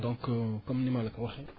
donc comme ni ma la ko waxee